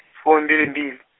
fumbilimbili.